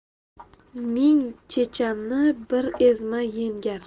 ming chechanni bir ezma yengar